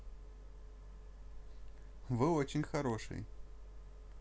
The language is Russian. вы очень хороший